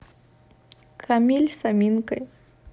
камиль с аминкой